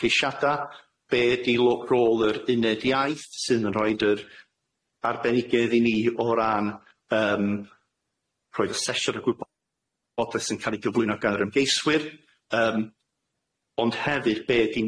ceisiada be' ydi lo- rôl yr uned iaith sydd yn rhoid yr arbenigedd i ni o ran yym rhoid y sesiwr o gwybod- bodeth sy'n ca'l i gyflwyno gan yr ymgeiswyr yym ond hefyd be' ydi